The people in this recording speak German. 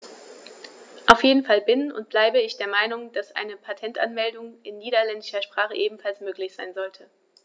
Auf jeden Fall bin - und bleibe - ich der Meinung, dass eine Patentanmeldung in niederländischer Sprache ebenfalls möglich sein sollte.